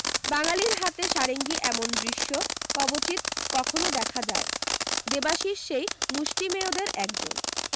বাঙালির হাতে সারেঙ্গি এমন দৃশ্য কবচিত কখনো দেখা যায় দেবাশিস সেই মুষ্টিমেয়দের একজন